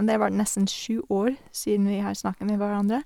Det var nesten sju år siden vi har snakket med hverandre.